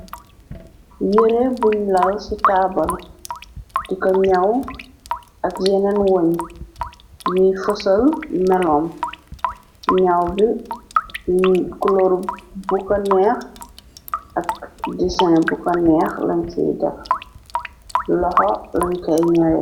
Yere buñ lal ci taabal di ko ñyaw ak yeneen woñ yuy fosal melom ñaw b clor bu ko neex ak 1sin bu ko neex lañ ciy dex loxo lañ key ñooye